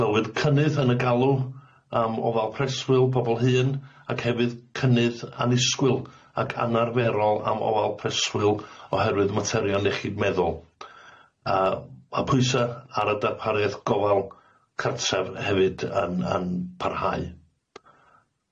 Glywyd cynnydd yn y galw am ofal preswyl pobol hŷn ac hefyd cynnydd anusgwyl ac anarferol am ofal preswyl oherwydd materion iechyd meddwl. A ma' pwysa ar y darpariaeth gofal cartref hefyd yn yn parhau.